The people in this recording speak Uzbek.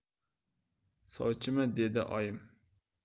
sovchimi dedi oyim